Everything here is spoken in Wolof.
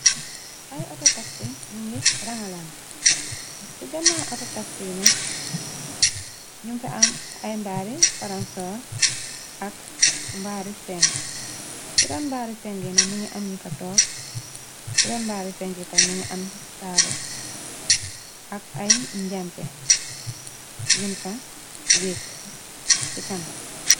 Ay auto taxi ñu ngi rangalante ci ganaw auto taxina ñyung fa am ay mbaari paransor ak mbaari sengu roon mbaari sengu yi nk mungi fa am ñyu fa tork ci roon mbaari sengi tay mungi am taable ak ay njampeh yuñ fa wéhku ci kanam.